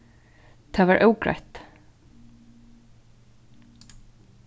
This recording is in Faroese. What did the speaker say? tað var ógreitt